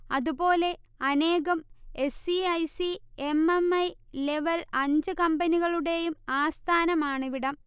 അതുപോലെ അനേകം S. E. I. C. M. M. I. Level അഞ്ച് കമ്പനികളുടെയും ആസ്ഥാനമാണിവിടം